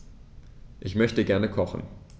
Ich möchte gerne kochen.